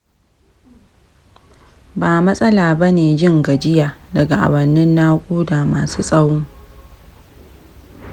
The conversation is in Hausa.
ba matsala bane jin gajiya daga awannin naƙuda masu tsawo